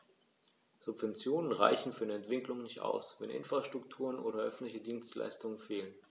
Subventionen reichen für eine Entwicklung nicht aus, wenn Infrastrukturen oder öffentliche Dienstleistungen fehlen.